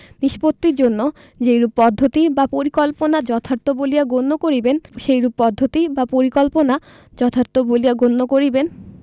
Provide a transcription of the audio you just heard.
নিষ্পত্তির জন্য যেইরূপ পদ্ধতি বা পরিকল্পনা যথার্থ বলিয়া গণ্য করিবেন সেইরূপ পদ্ধতি বা পরিকল্পনা যথার্থ বলিয়া গণ্য করিবেন